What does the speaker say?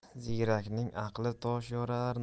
ziyrakning aqli tosh yorar